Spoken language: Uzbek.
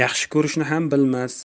yaxshi ko'rishni ham bilmas